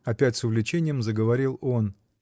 — опять с увлечением заговорил он.